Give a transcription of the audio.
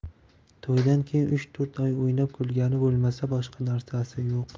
to'ydan keyin uch to'rt oy o'ynab kulgani bo'lmasa boshqa narsa yo'q